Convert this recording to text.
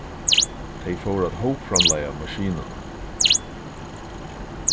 tey fóru at hópframleiða maskinuna